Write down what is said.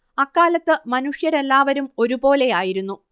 അക്കാലത്ത് മനുഷ്യരെല്ലാവരും ഒരുപോലെയായിരുന്നു